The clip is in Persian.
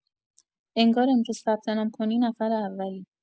انگار امروز ثبت‌نام کنی نفر اولی